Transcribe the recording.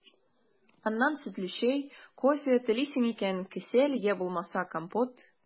Аннан сөтле чәй, кофе, телисең икән – кесәл, йә булмаса компот.